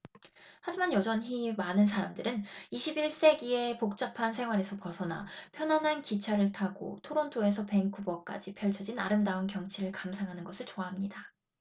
하지만 여전히 많은 사람은 이십 일 세기의 복잡한 생활에서 벗어나 편안한 기차를 타고 토론토에서 밴쿠버까지 펼쳐진 아름다운 경치를 감상하는 것을 좋아합니다